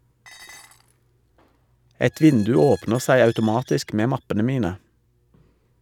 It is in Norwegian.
Et vindu åpner seg automatisk med mappene mine.